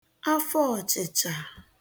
afọ ọ̀chị̀chà